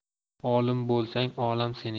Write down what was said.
olim bo'lsang olam seniki